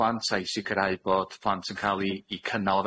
plant a i sicrhau bod plant yn ca'l 'u 'u cynnal